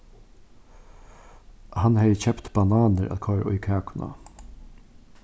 hann hevði keypt bananir at koyra í kakuna